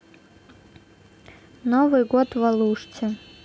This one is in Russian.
новый год в алуште